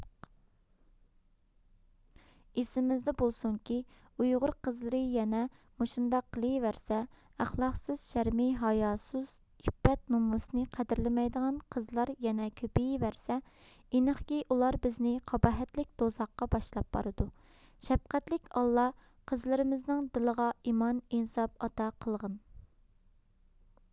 ئېسىمىزدە بولسۇنكى ئۇيغۇر قىزلىرى يەنە مۇشۇنداق قلىۋەرسە ئەخلاقسز شەرمى ھاياسۇز ئىپپەت نۇمۇسنى قەدىرلىمەيدىغان قىزلار يەنە كۆپىيۋەرسە ئىنقىكى ئۇلار بىزنى قاباھەتلىك دوزاخقا باشلاپ بارىدۇ شەپقەتلىك ئاللا قىزلىرىمزنىڭ دىلىغا ئىمان ئىنساپ ئاتا قىلغىن